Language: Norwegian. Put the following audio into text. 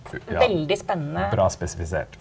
fu ja bra spesifisert.